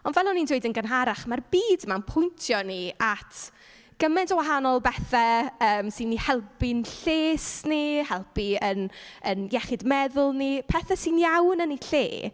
Ond fel o'n i'n dweud yn gynharach, mae'r byd 'ma'n pwyntio ni at gymaint o wahanol bethe, yym, sy'n i helpu'n lles ni, helpu yn iechyd meddwl ni, pethe sy'n iawn yn eu lle.